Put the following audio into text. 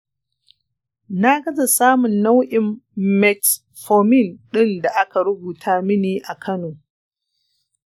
na gaza samun nau'in metformin ɗin da aka rubuta mini a kano.